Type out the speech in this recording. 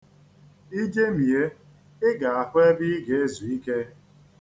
I jemie, ị ga-ahụ ebe ị ga-ezu ike.